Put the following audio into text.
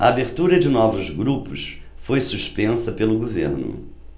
a abertura de novos grupos foi suspensa pelo governo